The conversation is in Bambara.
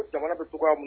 Bɛ tɔgɔ mun